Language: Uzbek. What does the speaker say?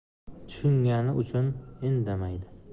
tushungani uchun indamaydi